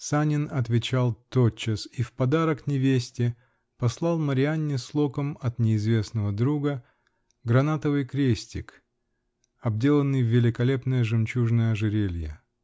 Санин отвечал тотчас -- и в подарок невесте послал "Марианне Слоком от неизвестного друга" гранатовый крестик, обделанный в великолепное жемчужное ожерелье.